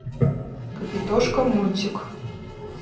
капитошка мультик